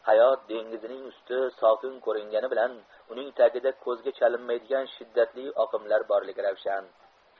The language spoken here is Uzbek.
hayot dengizining usti sokin ko'ringani bilan uning tagida ko'zga chalinmaydigan shiddatli oqimlar borligi ravshan